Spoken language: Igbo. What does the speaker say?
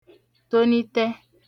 tonitẹ